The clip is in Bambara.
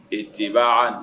E t tɛ'